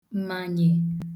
mànye